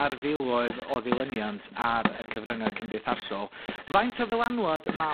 ar filoedd o ddilyniant ar y cyfrynga' cymdeithasol, faint o ddylanwad ma'